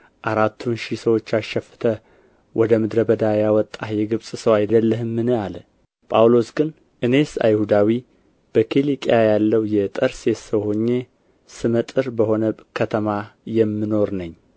አራቱን ሺህ ሰዎች አሸፍተህ ወደ ምድረ በዳ ያወጣህ የግብፅ ሰው አይደለህምን አለ ጳውሎስ ግን እኔስ አይሁዳዊ በኪልቅያ ያለው የጠርሴስ ሰው ሆኜ ስመ ጥር በሆነ ከተማ የምኖር ነኝ